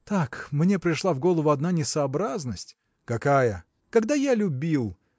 – Так: мне пришла в голову одна несообразность. – Какая? – Когда я любил.